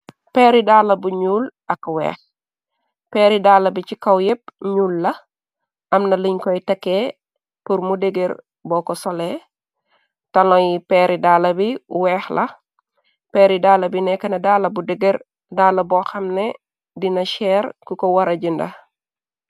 Peeri daala bu ñuul ak weex, peeri daala bi ci kaw yépp ñuul la. Amna liñ koy tëkee turmu degër boo ko sole tanoyi , peeri daala bi weex la, peeri daala bi nekkna daala bu degër, daala bo xamne dina cheer ku ko wara jinda.